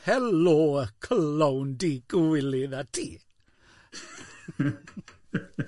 Helo, clown digwilydd a ti!